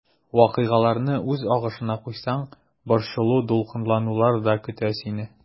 Вакыйгаларны үз агышына куйсаң, борчылу-дулкынланулар да көтә сине.